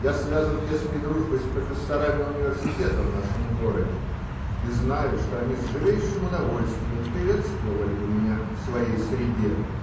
Я связан тесной дружбой с профессорами университета в нашем городе и знаю, что они с живейшим удовольствием приветствовали бы меня в своей среде.